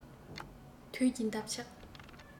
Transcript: དུས ཀྱི འདབ ཆགས